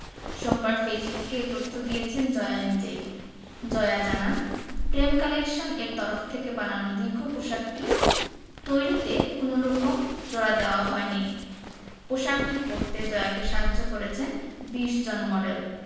সোমবার ফেসবুকে এ তথ্য দিয়েছেন জয়া নিজেই জয়া জানান প্রেম কালেকশন এর তরফ থেকে বানানো দীর্ঘ পোশাকটি তৈরিতে কোনো রকম জোড়া দেয়া হয়নি পোশাকটি পরতে জয়াকে সাহায্য করেছেন ২০ জন মডেল